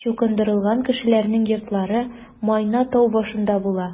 Чукындырылган кешеләрнең йортлары Майна тау башында була.